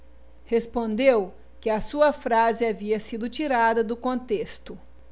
respondeu que a sua frase havia sido tirada do contexto